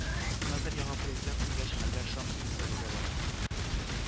Хәзер яңа президент килгәч хәлләр шактый үзгәрүгә бара